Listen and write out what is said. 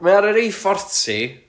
mae o ar yr A40...